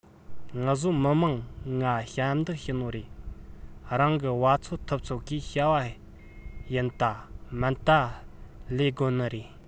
ངུ བཟོ མི དམངས ང ཞབས འདེགས ཞུ ནོ རེད རང གི བ ཚོད ཐུབ ཚོད གིས བྱ བ ཡིན ད མིན ད ལས དགོ ནི རེད